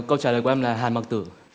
câu trả lời của em là hàn mặc tử